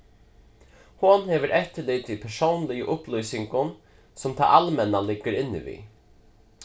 hon hevur eftirlit við persónligu upplýsingum sum tað almenna liggur inni við